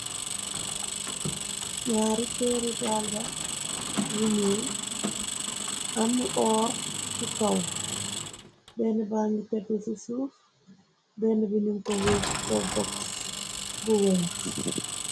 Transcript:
Nyaari perudalla yu nyuul am oor ci kaw benne ba ngi tegu ci suuf benne binum ko wiir ci kow box bu weex.